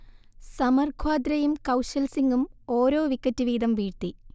സമർ ഖ്വാദ്രയും കൗശൽ സിങ്ങും ഓരോ വിക്കറ്റ് വീതം വീഴ്ത്തി